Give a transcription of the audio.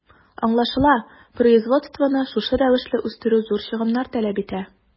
Аңлашыла, производствоны шушы рәвешле үстерү зур чыгымнар таләп итә.